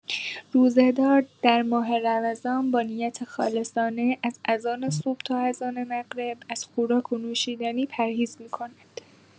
روزه‌دار در ماه رمضان با نیت خالصانه، از اذان صبح تا اذان مغرب از خوراک و نوشیدنی پرهیز می‌کند.